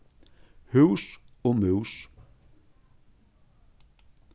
hús og mús